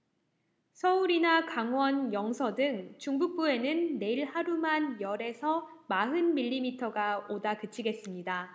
서울이나 강원 영서 등 중북부에는 내일 하루만 열 에서 마흔 밀리미터가 오다 그치겠습니다